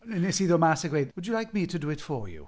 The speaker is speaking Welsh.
ne- wnes i ddod mas a gweud, "would you like me to do it for you"?